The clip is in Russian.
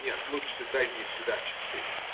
Нет, лучше дай мне сюда часы.